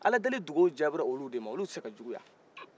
ala deli dugahu jaabira ulu dema ulu tɛ se jukuya